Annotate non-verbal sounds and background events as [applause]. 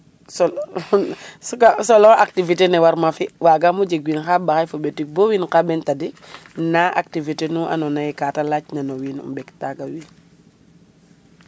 selon [laughs] selon activité ne war ma fi wagamo jeg win xarɓaxay fo ɓetik bo win xarɓen tadik na activité nu ando naye ka te lac na no wiin um ɓek taga win